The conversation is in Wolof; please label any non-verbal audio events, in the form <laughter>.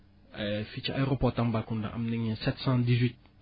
<hesitation> fii ci aéroport Tambacounda am nañ sept cent dix huit